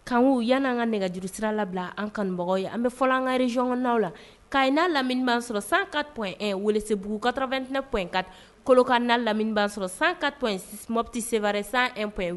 Kanku yan'an ka nɛgɛj juruuru sira labila an kanmɔgɔ ye an bɛ fɔ ankarirezɔnna la ka na lamini sɔrɔ san kasebugukata2tɛnɛ p ka kɔlɔkan na lamini sɔrɔ san kaɔpti se sanp